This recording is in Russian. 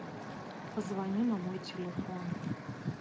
позвони на мой телефон